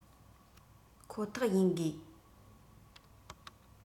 ཁོ ཐག ཡིན དགོས